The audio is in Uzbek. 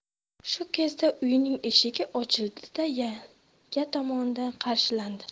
shu kezda uyning eshigi ochildi da yanga tomonidan qarshilandi